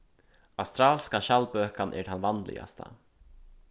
australska skjaldbøkan er tann vanligasta